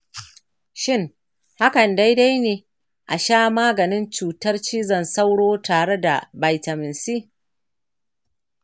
shin hakan daidai ne a sha maganin cutar cizon sauro tare da vitamin c?